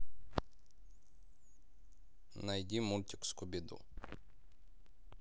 найти мультик скуби ду